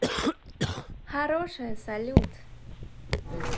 хорошая салют